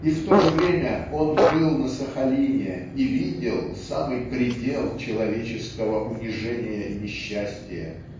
и в то же время он был на Сахалине и видел самый предел человеческого унижения и несчастия